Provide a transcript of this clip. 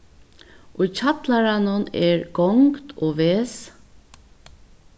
í kjallaranum er gongd og ves